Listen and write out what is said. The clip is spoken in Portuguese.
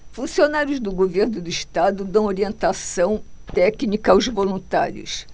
funcionários do governo do estado dão orientação técnica aos voluntários